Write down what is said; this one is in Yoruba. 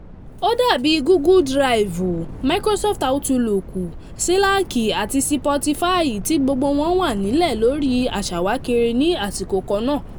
Ó dábí Google Drive, Microsoft Outlook, Slack àti Spotify tí gbogbo wọ́n wà nílẹ̀ lórí aṣawákiri ní àṣìkò kannáà.